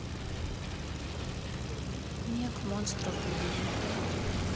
мег монстров глубины